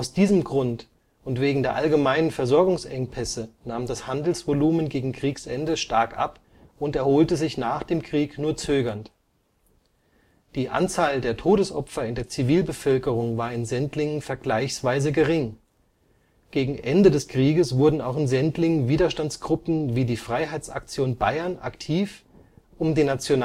diesem Grund und wegen der allgemeinen Versorgungsengpässe nahm das Handelsvolumen gegen Kriegsende stark ab und erholte sich nach dem Krieg nur zögernd. Die Anzahl der Todesopfer in der Zivilbevölkerung war in Sendling vergleichsweise gering. Gegen Ende des Krieges wurden auch in Sendling Widerstandsgruppen wie die Freiheitsaktion Bayern aktiv, um die Nationalsozialisten